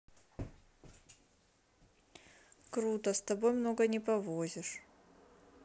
круто с тобой много не повозишь